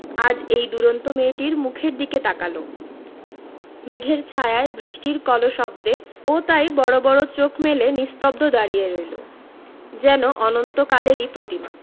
আজ এই দুরন্ত মেয়েটির মুখের দিকে তাকাল মেঘের ছায়ায় বৃষ্টির কলশব্দে ও তাই বড় বড় চোখ মেলে নিস্তব্ধ দাঁড়িয়ে রইল যেন অনন্তকালেরই প্রতিমা